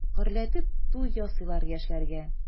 Гөрләтеп туй ясыйлар яшьләргә.